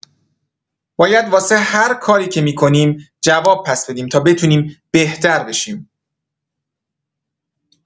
باید واسه هر کاری که می‌کنیم جواب پس بدیم تا بتونیم بهتر بشیم.